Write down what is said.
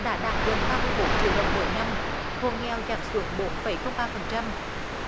đã đạt gần ba mươi bốn triệu đồng mỗi năm hộ nghèo giảm xuống bốn phẩy không ba phần trăm